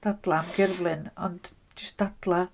Dadlau am gerflun. Ond jyst dadlau...